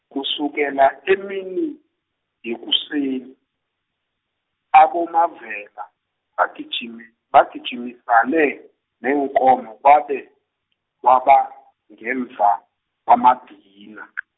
kusukela emini, yekuseni, aboMavela bagijimi-, bagijimisane neenkomo kwabe, kwaba, ngemva, kwamadina .